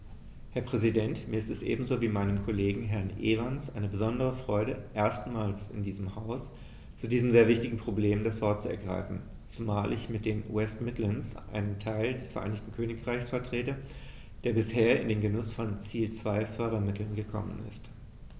Herr Präsident, mir ist es ebenso wie meinem Kollegen Herrn Evans eine besondere Freude, erstmals in diesem Haus zu diesem sehr wichtigen Problem das Wort zu ergreifen, zumal ich mit den West Midlands einen Teil des Vereinigten Königreichs vertrete, der bisher in den Genuß von Ziel-2-Fördermitteln gekommen ist.